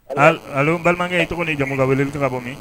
Al allo n balimakɛ i tɔgɔ ni jamu ka weleli kɛ ka bɔ min